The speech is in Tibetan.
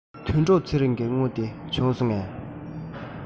དོན གྲུབ ཚེ རིང གི དངུལ དེ བྱུང སོང ངས